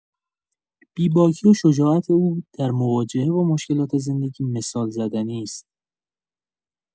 بی‌باکی و شجاعت او در مواجهه با مشکلات زندگی مثال‌زدنی است.